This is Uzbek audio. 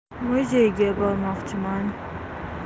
muzeyga bormoqchiman